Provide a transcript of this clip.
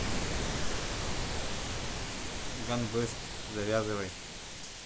ганвест завязывай